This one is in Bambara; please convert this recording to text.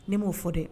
Ne m'o fɔ dɛ